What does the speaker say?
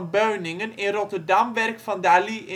Beuningen in Rotterdam werk van Dalí in